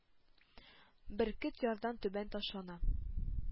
Бөркет ярдан түбән ташлана.